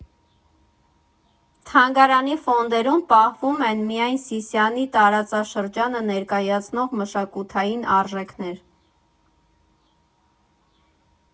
Թանգարանի ֆոնդերում պահվում են միայն Սիսիանի տարածաշրջանը ներկայացնող մշակութային արժեքներ։